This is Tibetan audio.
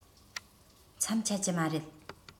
མཚམས ཆད ཀྱི མ རེད